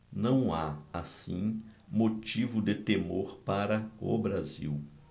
não há assim motivo de temor para o brasil